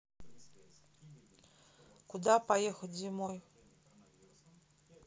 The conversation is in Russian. куда поехать зимой